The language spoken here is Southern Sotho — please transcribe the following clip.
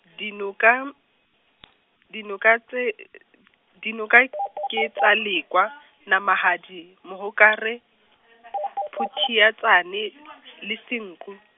dinoka, dinoka tse , dinoka ke tsa Lekoa, Namahadi, Mohokare, Phuthiatsana, le Senqu.